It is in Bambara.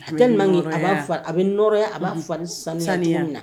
A tɛ man kɛ a b'a a bɛ nɔrɔ ye a b'a na